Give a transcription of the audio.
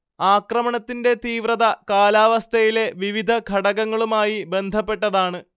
ആക്രമണത്തിന്റെ തീവ്രത കാലാവസ്ഥയിലെ വിവിധ ഘടകങ്ങളുമായി ബന്ധപ്പെട്ടതാണ്